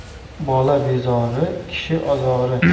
bola bezori kishi ozori